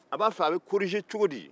a b'a fɛ a bɛ latilen cogo di